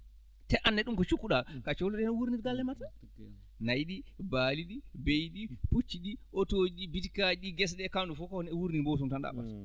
te aan ne ɗum ko cikkuɗaa ko a cohluɗo heen wuurnir galle maa nayi ɗii baali ɗii beyi ɗii pucci ɗii auto ji boutique aaji gese ɗee kamɓe fof ko wuurni gotum tan ɗaɓɓata